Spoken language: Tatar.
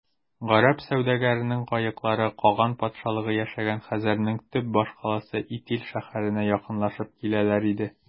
Гарәп сәүдәгәренең каеклары каган патшалыгы яшәгән хәзәрнең төп башкаласы Итил шәһәренә якынлашып киләләр иде.